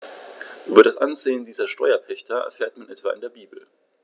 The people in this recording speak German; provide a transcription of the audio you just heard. Über das Ansehen dieser Steuerpächter erfährt man etwa in der Bibel.